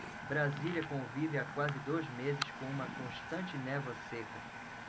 brasília convive há quase dois meses com uma constante névoa seca